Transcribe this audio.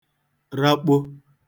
rakpo